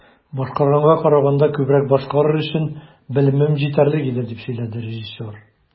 "башкарганга караганда күбрәк башкарыр өчен белемем җитәрлек иде", - дип сөйләде режиссер.